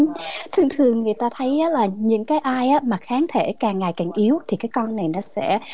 thường thường người ta thấy là nhìn cái ai mà kháng thể càng ngày càng yếu thì cái con này nó sẽ